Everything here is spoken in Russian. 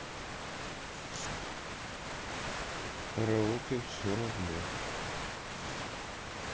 караоке все равно